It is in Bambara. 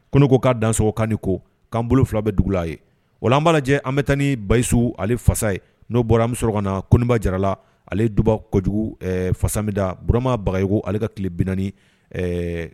Ko ko k'a dansokan ni ko k'an bolo fila bɛ dugu a ye wa an b' lajɛ an bɛ taa ni basiyisu ani fasa ye n'o bɔra an sɔrɔ kɔnɔna koba jarala ale duba kojugu fasa mida buramabagayiko ale ka tile bin